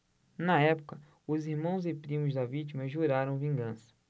na época os irmãos e primos da vítima juraram vingança